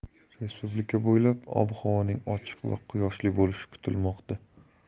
respublika bo'ylab ob havoning ochiq va quyoshli bo'lishi kutilmoqda